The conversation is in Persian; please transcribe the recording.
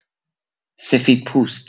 سفیدپوست